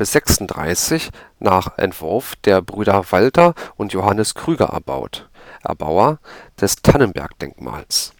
1936 nach Entwurf der Brüder Walter und Johannes Krüger erbaut (Erbauer des Tannenberg-Denkmals